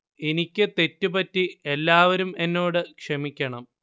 എനിക്ക് തെറ്റു പറ്റി എല്ലാവരും എന്നോട് ക്ഷമിക്കണം